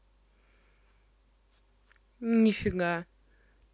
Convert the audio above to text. нифига